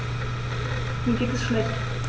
Mir geht es schlecht.